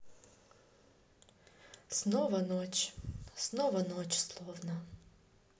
снова ночь снова ночь словно